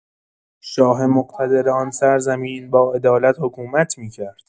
شاه مقتدر آن سرزمین با عدالت حکومت می‌کرد.